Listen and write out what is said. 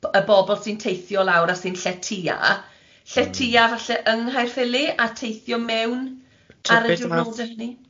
y bobl sy'n teithio lawr a sy'n lletia, lletia falle yng Nghaerffili a teithio mewn ar y diwrnode hynny.